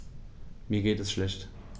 Mir geht es schlecht.